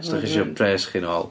Os dach chi isio pres chi'n ôl.